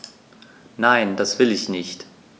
Nein, das will ich nicht.